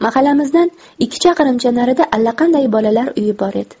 mahallamizdan ikki chaqirimcha narida allaqanday bolalar uyi bor edi